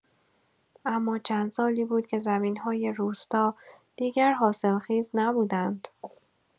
اما چند سالی بود که زمین‌های روستا دیگر حاصلخیز نبودند.